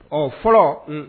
Ɔ fɔlɔ